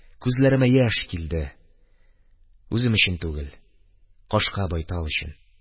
Күзләремә яшь килде – үзем өчен түгел, кашка байтал өчен.